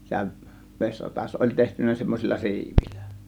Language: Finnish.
sehän vesiratas oli tehty semmoisilla siivillä